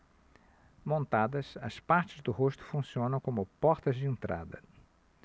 montadas as partes do rosto funcionam como portas de entrada